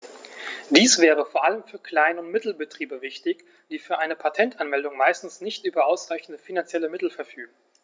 Dies wäre vor allem für Klein- und Mittelbetriebe wichtig, die für eine Patentanmeldung meistens nicht über ausreichende finanzielle Mittel verfügen.